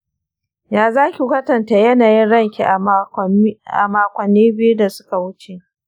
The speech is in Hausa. ya zaki kwatanta yanayin ranki a makonni biyu da suka wuce?